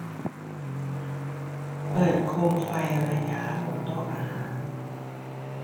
เปิดโคมไฟระย้าบนโต๊ะอาหาร